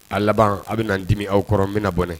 A laban aw bɛ dimi aw kɔrɔ n bɛna bɔ n’a ye